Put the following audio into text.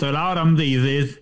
Ddo i lawr am ddeuddydd...